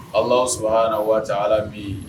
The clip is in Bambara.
Alaaw sura wa ala bi